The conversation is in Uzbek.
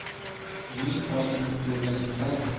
mening xotinim bo'lganingdami